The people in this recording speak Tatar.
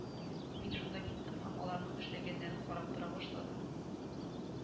Мин шунда киттем һәм аларның эшләгәннәрен карап тора башладым